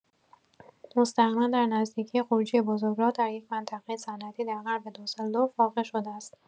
مستقیما در نزدیکی خروجی بزرگراه، در یک منطقه صنعتی در غرب دوسلدورف واقع شده است.